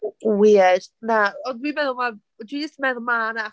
Weird. Na dwi'n meddwl mae... dwi jyst yn meddwl mae 'na...